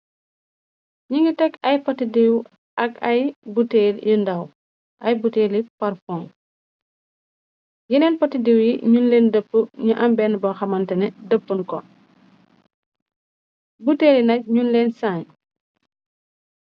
Ñi ngi tèg ay poti diw ak ay butèèl yu ndaw, ay butèèlli parfor yenen poti diw yi ñing lèèn dapu ñi benna bó xaman teneh dapuñ ko. bottèli yi nak ñing lèèn saañ.